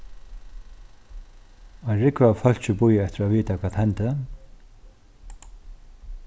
ein rúgva av fólki bíða eftir at vita hvat hendi